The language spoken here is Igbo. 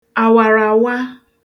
àwàrààwa